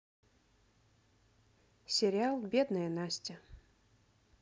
сериал бедная настя